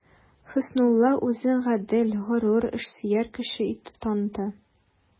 Хөснулла үзен гадел, горур, эшсөяр кеше итеп таныта.